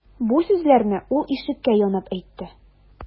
Бу сүзләрне ул ишеккә янап әйтте.